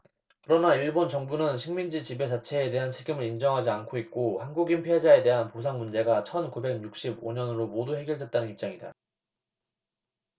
그러나 일본 정부는 식민지 지배 자체에 대한 책임을 인정하지 않고 있고 한국인 피해자에 대한 보상 문제가 천 구백 육십 오 년으로 모두 해결됐다는 입장이다